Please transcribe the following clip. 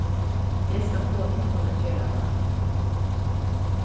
eg skal fáa tykkum at gera tað